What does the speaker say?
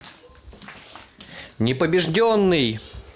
непобежденный